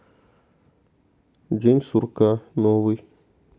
день сурка новый